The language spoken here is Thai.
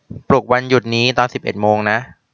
ปลุกวันหยุดนี้ตอนสิบเอ็ดโมงนะ